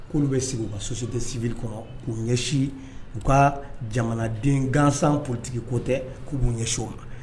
K'olu bɛ sigi u ka société civile kɔrɔ, k'u ɲɛsin u ka jamanaden gansan, politique ko tɛ, k'u b'u ɲɛsin o ma